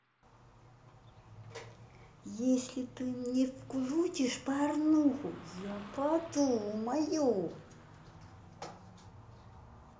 если ты мне включишь порнуху я подумаю